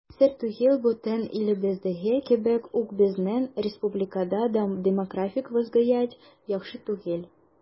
Сер түгел, бөтен илебездәге кебек үк безнең республикада да демографик вазгыять яхшы түгел.